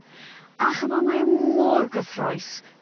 ... a ch'mo' mae e mor gyffrous